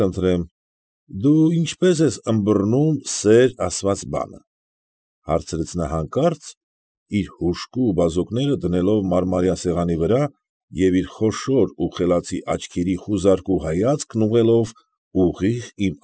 Խնդրեմ, դու ինչպե՞ս ես ըմբռնում սեր ասված բանը, ֊ հարցրեց նա հանկարծ, իր հուժկու բազուկները դնելով մարմարյա սեղանի վրա և իր խոշոր ու խելացի աչքերիխուզարկու հայացքն ուղղելով ուղիղ իմ։